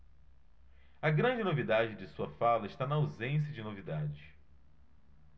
a grande novidade de sua fala está na ausência de novidades